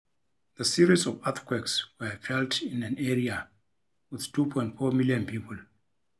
The series of earthquakes were felt in an area with 2.4 million people.